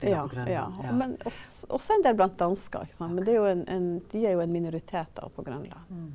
ja ja men også en del blant dansker ikke sant, men det er jo en en de er jo en minoritet da på Grønland.